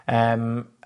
Yym.